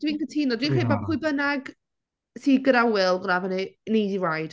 Dwi'n cytuno dwi'n credu bod... ie ...pwy bynnag sydd gyda Will will have er- an easy ride.